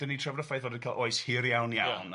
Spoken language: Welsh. ...dan ni'n trafod y ffaith oedd o wedi cael oes hir iawn iawn